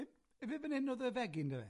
Yy yfe fan 'yn o'dd y fegyn 'dy fe?